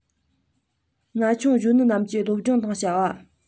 ན ཆུང གཞོན ནུ རྣམས ཀྱི སློབ སྦྱོང དང བྱ བ